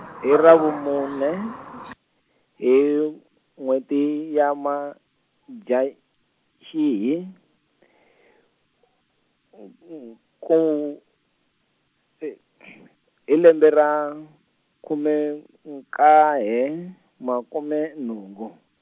hi ravumune, hi n'wheti ya Madyaxihi, nku hi lembe ra khume nkaye, makume nhungu.